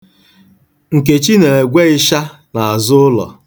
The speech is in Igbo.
Nkechi na-egwe ịsha n'azụ ụlọ.